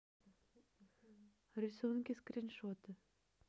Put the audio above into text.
рисунки скриншоты